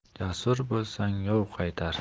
jasur bo'lsang yov qaytar